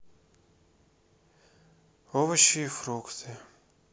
овощи и фрукты